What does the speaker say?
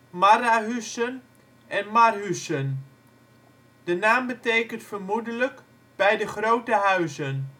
Marrahusen ' en ' Marhusen '. De naam betekent vermoedelijk ' bij de grote huizen